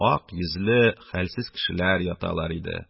Ак йөзле, хәлсез кешеләр яталар иде...